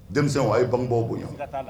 Denmisɛnww a ye bangebaw bonya